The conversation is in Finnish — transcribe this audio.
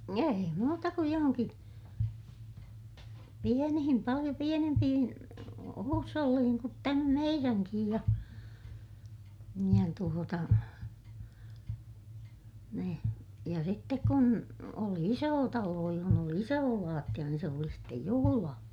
ei muuta kuin johonkin pieniin paljon pienempiin huusholleihin kuin tämä meidänkin ja ja tuota niin ja sitten kun oli iso talo jossa oli iso lattia niin se oli sitten juhlaa